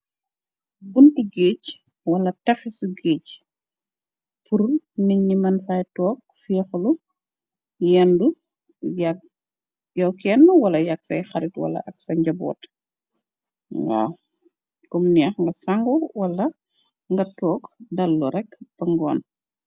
Bonte gaeche wala tefesu gaeche purr neetnye munfa tonke fehlu yendu yak yw keneh wala yak saye harit wala ak sa juboot waw kum nekh ga sangu wala ga tonke dallu rek ba goune.